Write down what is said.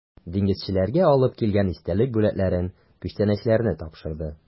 Диңгезчеләргә алып килгән истәлек бүләкләрен, күчтәнәчләрне тапшырды.